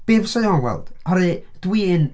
Be fysa o'n weld? Oherwydd dwi'n...